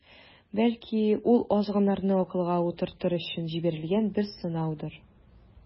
Бәлки, ул азгыннарны акылга утыртыр өчен җибәрелгән бер сынаудыр.